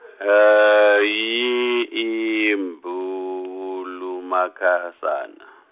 imbulumakhasana.